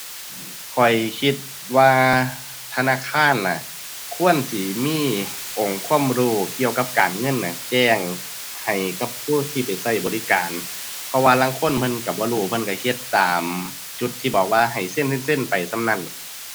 ข้อยคิดว่าธนาคารน่ะ ควรสิมีองค์ความรู้เกี่ยวกับการเงินน่ะ แจ้งให้กับผู้ที่ไปใช้บริการ เพราะว่าลางคนเพิ่นใช้บ่รู้ เพิ่นใช้เฮ็ดตามจุดที่บอกว่าให้เซ็นเซ็นเซ็นไปส่ำนั้น